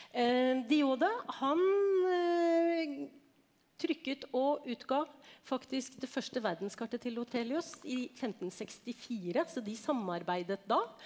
de Jode han trykket og utga faktisk det første verdenskartet til Ortelius i femtensekstifire, så de samarbeidet da.